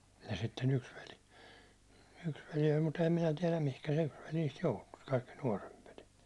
ja sitten yksi veli yksi veli oli mutta enhän minä tiedä mihin se yksi veli niistä joutui kaikki nuorempi veli